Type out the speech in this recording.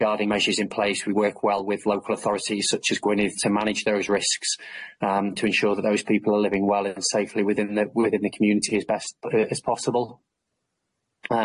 guarding measures in place we work well with local authorities such as Gwynedd to manage those risks yym to ensure that those people are living well and safely within the within the community as best b- yy as possible.